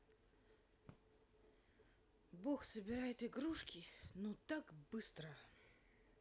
бог собирает игрушки ну так быстро